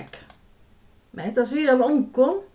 men hetta sigur hann ongum